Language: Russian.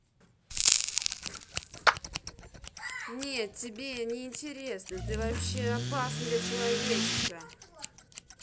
тебе не интересно ты вообще опасна для человечества